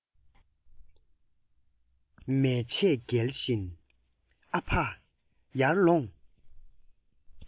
མལ ཆས སྒུལ བཞིན ཨ ཕ ཡར ལོངས